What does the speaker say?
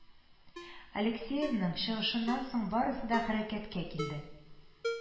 Алексеевның чыгышыннан соң барысы да хәрәкәткә килде